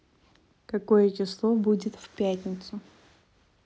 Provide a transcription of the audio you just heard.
какое число будет в пятницу